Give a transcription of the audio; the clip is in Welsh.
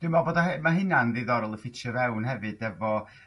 Dwi bo- meddwl ma' hunai'n ddiddorol y ffitcho i fewn hefyd efo